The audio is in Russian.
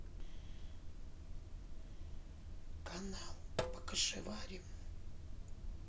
канал покашеварим